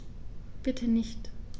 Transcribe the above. Bitte nicht.